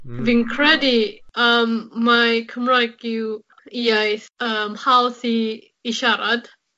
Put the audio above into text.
Hmm. Fi'n credu yym mae Cymraeg yw iaith yym hawdd i i siarad.